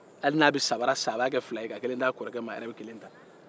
hali n'a bɛ sabara san a b'a ke fila ye k' kelen di a kɔrɔkɛ ma